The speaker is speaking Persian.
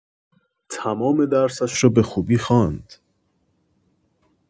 تمام درسش را به خوبی خواند